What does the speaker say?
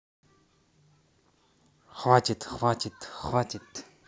хватит хватит хватит